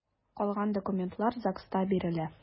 Калган документлар ЗАГСта бирелә.